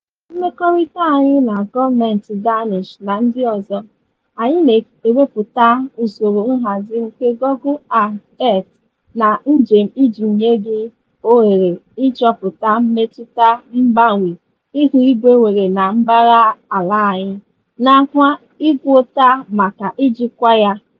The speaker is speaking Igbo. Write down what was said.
Na mmekọrịta anyị na gọọmentị Danish na ndị ọzọ, anyị na-ewepụta usoro nhazi nke Google Earth na njem iji nye gị ohere ịchọpụta mmetụta mgbanwe ihuigwe nwere na mbara ala anyị nakwa ngwọta maka njikwa ya.